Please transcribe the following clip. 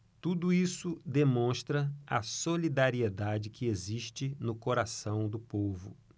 tudo isso demonstra a solidariedade que existe no coração do povo